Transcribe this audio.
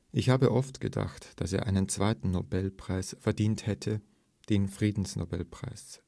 Ich habe oft gedacht, dass er einen zweiten Nobelpreis verdient hätte – den Friedensnobelpreis